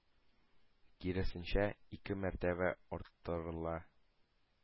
Киресенчә, ике мәртәбә арттырыла.